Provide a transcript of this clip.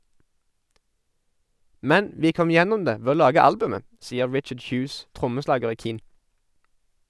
Men vi kom gjennom det ved å lage albumet, sier Richard Hughes, trommeslager i Keane.